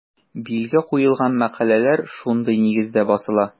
Билге куелган мәкаләләр шундый нигездә басыла.